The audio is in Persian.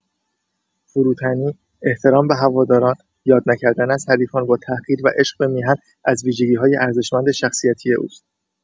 فروتنی، احترام به هواداران، یاد نکردن از حریفان با تحقیر و عشق به میهن از ویژگی‌های ارزشمند شخصیتی اوست.